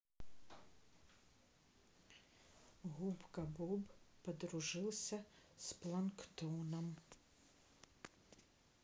губка боб подружился с планктоном